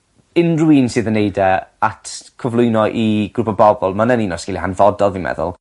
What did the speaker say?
unrhyw un sydd yn neud e at cyflwyno i grŵp o bobol ma' wnna'n un o sgilie hanfodol dwi'n meddwl.